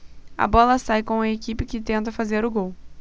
a bola sai com a equipe que tenta fazer o gol